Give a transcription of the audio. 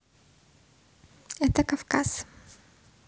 это кавказ